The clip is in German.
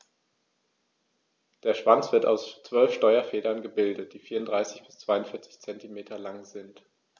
Der Schwanz wird aus 12 Steuerfedern gebildet, die 34 bis 42 cm lang sind.